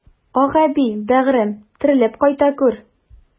Акъәби, бәгырем, терелеп кайта күр!